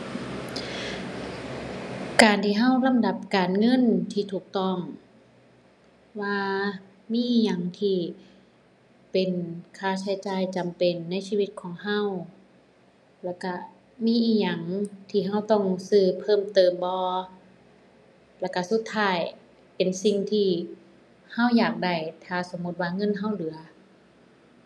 การที่เราลำดับการเงินที่ถูกต้อง ว่ามีอิหยังที่เป็นค่าใช้จ่ายจำเป็นในชีวิตของเรา แล้วเรามีอิหยังที่เราต้องซื้อเพิ่มเติมบ่ แล้วเราสุดท้ายเป็นสิ่งที่เราอยากได้ ถ้าสมมุติว่าเงินเราเหลือ